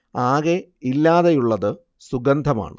ആകെ ഇല്ലാതെയുള്ളത് സുഗന്ധമാണ്